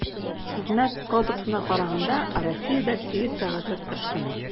Хезмәт кодексына караганда, Россиядә сигез сәгатьлек эш көне.